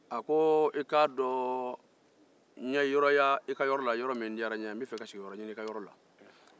a ko n ye yɔrɔ ye i ka yɔrɔ n b'a fɛ ka sigi i ka yɔrɔ la